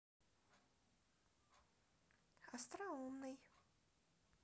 остроумный